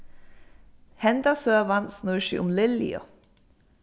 hendan søgan snýr seg um lilju